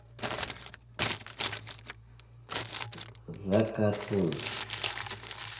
zakatoon